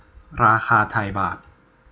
ราคาไทยบาท